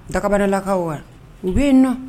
Dagabadalakaw wa u bɛ yen nɔ